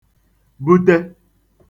bute